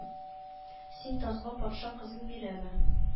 Син тазга патша кызын бирәме